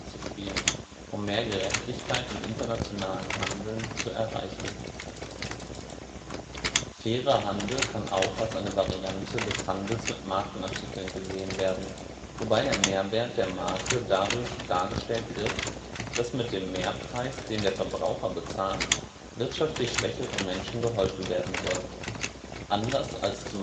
spielen, um mehr Gerechtigkeit im internationalen Handel zu erreichen. Fairer Handel kann auch als eine Variante des Handels mit Markenartikeln gesehen werden, wobei der Mehrwert der Marke dadurch dargestellt wird, dass mit dem Mehrpreis, den der Verbraucher bezahlt, wirtschaftlich schwächeren Menschen geholfen werden soll. Anders als